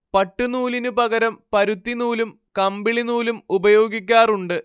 പട്ട്നൂലിന് പകരം പരുത്തി നൂലും കമ്പിളി നൂലും ഉപയോഗിക്കാറുണ്ട്